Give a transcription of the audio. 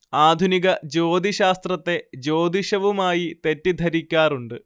ആധുനിക ജ്യോതിശ്ശാസ്ത്രത്തെ ജ്യോതിഷവുമായി തെറ്റിദ്ധരിക്കാറുണ്ട്